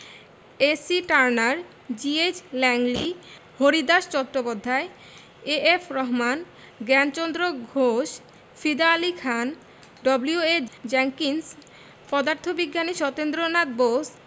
AC Turner G H Langley Haridas Bhattacharya A F Rahman Gyanchandra Ghosh Fida Ali Khan W A Jenkins পদার্থবিজ্ঞানী সত্যেন্দ্রনাথ বোস